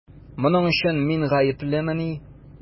Моның өчен мин гаеплемени?